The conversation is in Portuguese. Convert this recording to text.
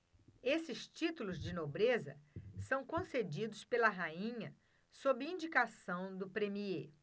esses títulos de nobreza são concedidos pela rainha sob indicação do premiê